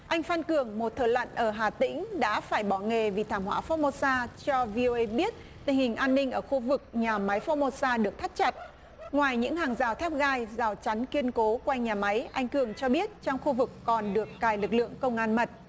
anh phan cường một thợ lặn ở hà tĩnh đã phải bỏ nghề vì thảm họa phốt mô sa cho vi âu ây biết tình hình an ninh ở khu vực nhà máy phốt mô sa được thắt chặt ngoài những hàng rào thép gai rào chắn kiên cố quanh nhà máy anh cường cho biết trong khu vực còn được cài lực lượng công an mật